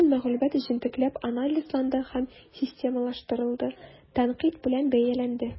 Бөтен мәгълүмат җентекләп анализланды һәм системалаштырылды, тәнкыйть белән бәяләнде.